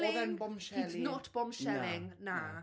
Oedd e'n bombshelly?... He's not bombshelling, na.